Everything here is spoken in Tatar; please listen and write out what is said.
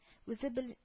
Үзе бел